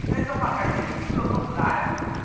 thế trong hoàn cảnh đấy thì chú được không tự ái chú